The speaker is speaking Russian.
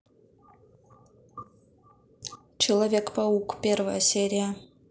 человек паук первая серия